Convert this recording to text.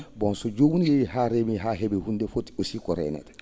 bon so joomum yahii haa remii haa he?ii huunde foti aussi ko reeneede